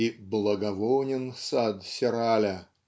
и "благовонен сад сераля"